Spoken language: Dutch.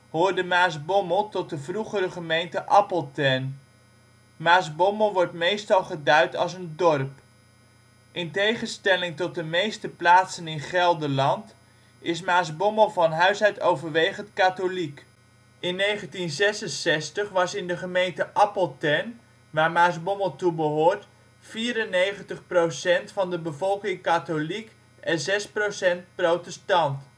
hoorde Maasbommel tot de vroegere gemeente Appeltern. Maasbommel wordt meestal geduid als een dorp. In tegenstelling tot de meeste plaatsen in Gelderland is Maasbommel van huis uit overwegend katholiek. In 1966 was in de gemeente Appeltern, waar Maasbommel toe behoort, 94 % van de bevolking katholiek en 6 % protestant